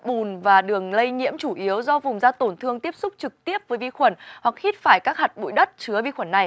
bùn và đường lây nhiễm chủ yếu do vùng da tổn thương tiếp xúc trực tiếp với vi khuẩn hoặc hít phải các hạt bụi đất chứa vi khuẩn này